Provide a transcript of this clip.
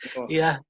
Ia.